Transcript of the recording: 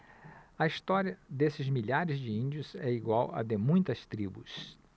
a história desses milhares de índios é igual à de muitas tribos